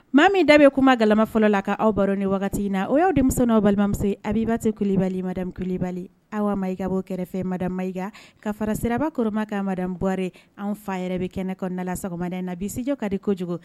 Maa min da bɛ kuma galama fɔlɔ la ka aw baro ni wagati na o y' demi n'o balimamuso a b'ba se kulibali ma kule bali aw makabɔ kɛrɛfɛ madamaka ka fara siraba kɔrɔma ka mada buɔri an fa yɛrɛ bɛ kɛnɛ kɔnɔna na la sa sɔgɔmaden na bitudi ka di ko kojugu